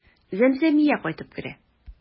Зәмзәмия кайтып керә.